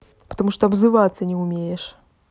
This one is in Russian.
потому что обзываться не умеешь